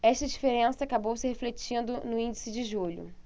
esta diferença acabou se refletindo no índice de julho